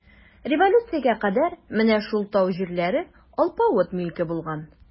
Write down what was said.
Революциягә кадәр менә шул тау җирләре алпавыт милке булган.